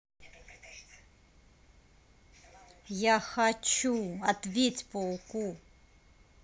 я хочу ответь пауку